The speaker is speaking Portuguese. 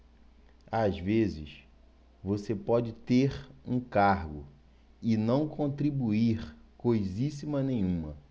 às vezes você pode ter um cargo e não contribuir coisíssima nenhuma